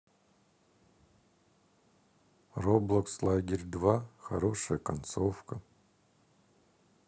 роблокс лагерь два хорошая концовка